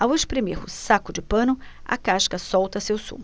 ao espremer o saco de pano a casca solta seu sumo